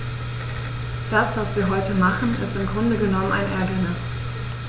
Das, was wir heute machen, ist im Grunde genommen ein Ärgernis.